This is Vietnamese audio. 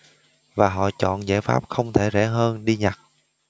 và họ chọn giải pháp không thể rẻ hơn đi nhặt